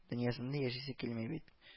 Дөньясында яшисе дә килми бит